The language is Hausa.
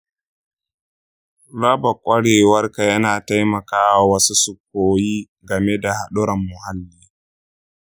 raba kwarewarka yana taimaka wa wasu su koyi game da haɗurran muhalli.